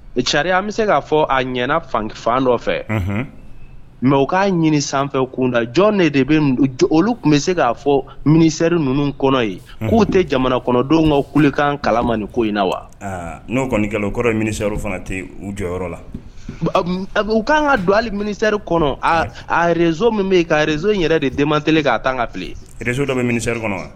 Sariya an bɛ se k ka'a fɔ a ɲɛnaana fan nɔfɛ mɛ u k'a ɲini sanfɛ kunda jɔn de de bɛ olu tun bɛ se k kaa fɔ miniri ninnu kɔnɔ yen k'u tɛ jamana kɔnɔdenw ka kulekan kalama nin ko in na wa n'o kɔnikɔrɔ miniri fana tɛ u jɔyɔrɔ la u k' kan ka don hali miniri kɔnɔ arezsoo min bɛ yen karezo in yɛrɛ de denman deli k kaa taa ka tilenrez dɔri kɔnɔ wa